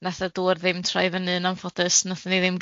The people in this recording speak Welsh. nath y dŵr ddim troi fyny yn anffodus, nathon ni ddim